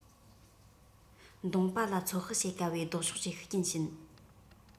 མདོང པ ལ ཚོད དཔག བྱེད དཀའ བའི ལྡོག ཕྱོགས ཀྱི ཤུགས རྐྱེན བྱིན